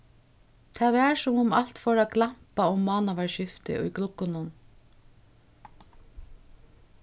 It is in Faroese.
tað var sum um alt fór at glampa um mánaðarskiftið í gluggunum